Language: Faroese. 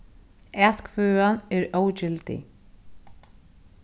atkvøðan er ógildig